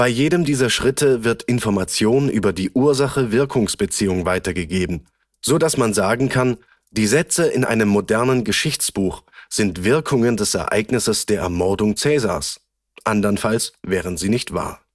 jedem dieser Schritte wird Information über die Ursache-Wirkungs-Beziehung weitergegeben, so dass man sagen kann, die Sätze in einem modernen Geschichtsbuch sind Wirkungen des Ereignisses der Ermordung Caesars, andernfalls wären sie nicht wahr